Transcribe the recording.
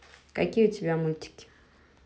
какие у тебя мультики есть